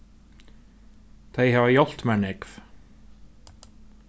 tey hava hjálpt mær nógv